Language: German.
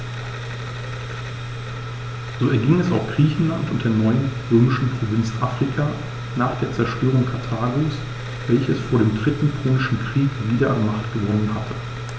So erging es auch Griechenland und der neuen römischen Provinz Afrika nach der Zerstörung Karthagos, welches vor dem Dritten Punischen Krieg wieder an Macht gewonnen hatte.